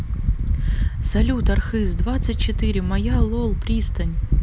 салют архыз двадцать четыре моя лол пристань